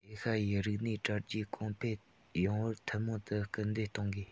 ཨེ ཤ ཡའི རིག གནས གྲ རྒྱས གོང འཕེལ ཡོང བར ཐུན མོང དུ སྐུལ འདེད གཏོང དགོས